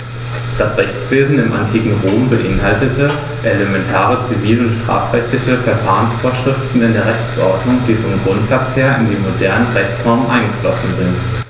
Das Rechtswesen im antiken Rom beinhaltete elementare zivil- und strafrechtliche Verfahrensvorschriften in der Rechtsordnung, die vom Grundsatz her in die modernen Rechtsnormen eingeflossen sind.